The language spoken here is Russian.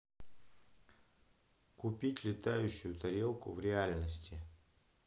купить летающую тарелку в реальности